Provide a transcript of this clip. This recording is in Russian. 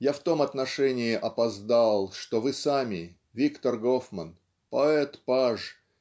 -- я в том отношении опоздал что Вы сами Виктор Гофман поэт-паж